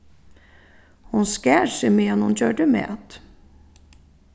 hon skar seg meðan hon gjørdi mat